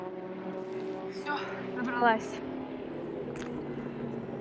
все забралась